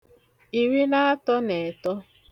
ìrì na atọ̄ nà ẹ̀tọ